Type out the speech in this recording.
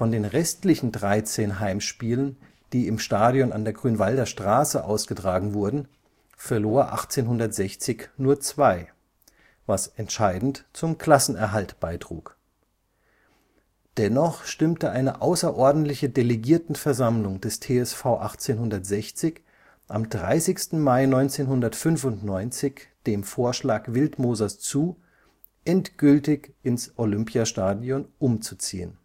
den restlichen 13 Heimspielen, die im Stadion an der Grünwalder Straße ausgetragen wurden, verlor 1860 nur zwei, was entscheidend zum Klassenerhalt beitrug. Dennoch stimmte eine außerordentliche Delegiertenversammlung des TSV 1860 am 30. Mai 1995 dem Vorschlag Wildmosers zu, endgültig ins Olympiastadion umzuziehen